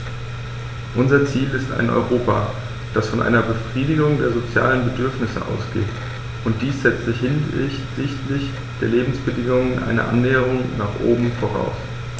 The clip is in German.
Unser Ziel ist ein Europa, das von einer Befriedigung der sozialen Bedürfnisse ausgeht, und dies setzt hinsichtlich der Lebensbedingungen eine Annäherung nach oben voraus.